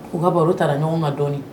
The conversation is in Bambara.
U ka bɔ u taara ɲɔgɔn ka dɔɔnin